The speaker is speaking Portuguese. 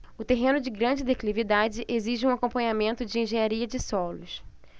o terreno de grande declividade exige um acompanhamento de engenharia de solos